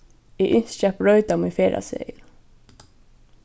eg ynski at broyta mín ferðaseðil